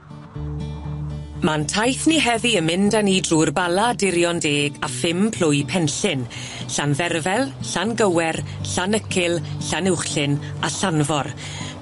Ma'n taith ni heddi yn mynd â ni drw'r Bala dirion deg a phum plwy Penllyn Llanferfel, Llangywer, Llanycyl, Llanuwchlyn a Llanfor.